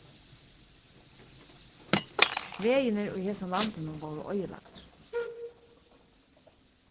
vegirnir í hesum landinum vórðu oyðilagdir